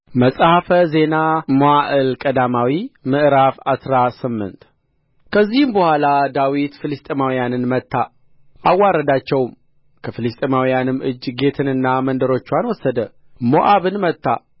መጽሐፈ ዜና መዋዕል ቀዳማዊ ምዕራፍ አስራ ስምንት ከዚህም በኋላ ዳዊት ፍልስጥኤማውያንን መታ አዋረዳቸውም ከፍልስጥኤማውያንም እጅ ጌትንና መንደሮችዋን ወሰደ ሞዓብን መታ